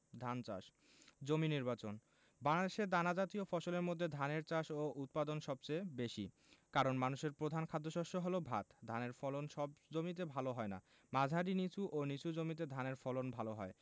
ধান চাষ জমি নির্বাচনঃ বাংলাদেশে দানাজাতীয় ফসলের মধ্যে ধানের চাষ ও উৎপাদন সবচেয়ে বেশি কারন মানুষের প্রধান খাদ্যশস্য হলো ভাত ধানের ফলন সব জমিতে ভালো হয় না মাঝারি নিচু ও নিচু জমিতে ধানের ফলন ভালো হয়